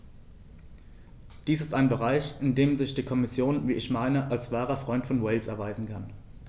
Dies ist ein Bereich, in dem sich die Kommission, wie ich meine, als wahrer Freund von Wales erweisen kann.